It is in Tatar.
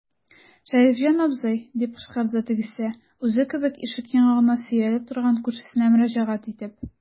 Шәрифҗан абзый, - дип кычкырды тегесе, үзе кебек ишек яңагына сөялеп торган күршесенә мөрәҗәгать итеп.